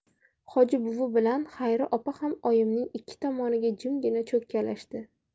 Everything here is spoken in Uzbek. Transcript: hoji buvi bilan xayri opa ham oyimning ikki tomoniga jimgina cho'kkalashdi